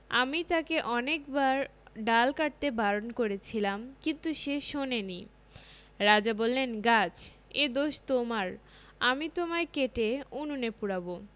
আমি তাকে অনেকবার ডাল কাটতে বারণ করেছিলাম কিন্তু সে শোনেনি রাজা বললেন গাছ এ দোষ তোমার আমি তোমায় কেটে উনুনে পোড়াব